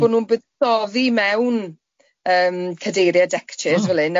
bo nhw'n buddsoddi mewn yym cadeiriau deckchairs fel hyn... M-hm.